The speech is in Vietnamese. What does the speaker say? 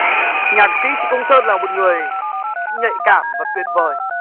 nhạc sĩ trịnh công sơn là một người nhạy cảm và tuyệt vời